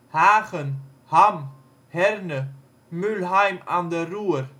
Hagen, Hamm, Herne, Mülheim an der Ruhr